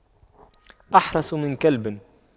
أحرس من كلب